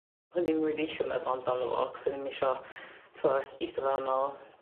O'n i'm rili isio meddwl amdano fo 'chos o'n i'm isio t'wo'